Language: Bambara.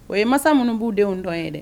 O ye masa minnu b'u denw dɔn ye dɛ